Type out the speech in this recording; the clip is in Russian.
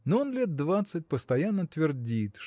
но он лет двадцать постоянно твердит